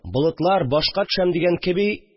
Болытлар, башка төшәм дигән кеби